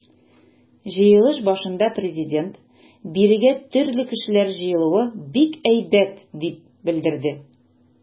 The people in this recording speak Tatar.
Җыелыш башында Президент: “Бирегә төрле кешеләр җыелуы бик әйбәт", - дип белдерде.